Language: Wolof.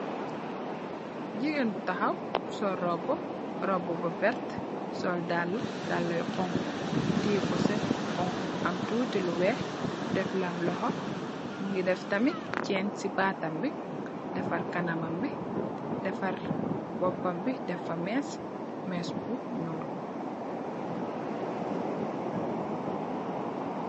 Gigain bu takhaw sol rohbu, rohbu bu vert, sol daalah, daalah yu honhu, tiyeh porset bu honhu, am tuti lu wekh, deff lahmm lokhor, muungy deff tamit chaine cii bahtam bii, defarr kanamam bi, defarr bopam bii deff fa meeche, meeche bu njull.